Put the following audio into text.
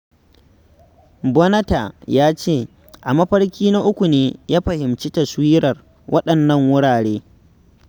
Bonatah ya ce a mafarki na uku ne ya fahimci taswirar waɗannan wurare.